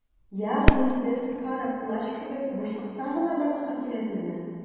Ягъни сез Кара Плащ кебек - бушлыктан гына барлыкка киләсезме?